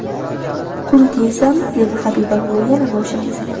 qurut yeysanmi dedi habiba buvi yana boshimni silab